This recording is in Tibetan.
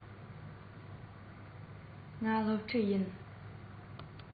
རི བོར མདངས རྒྱས ཤིང ཆུ བོར བོགས ཐོན ལ ཉིན བྱེད ཀྱི བཞིན རས དམར པོར མངོན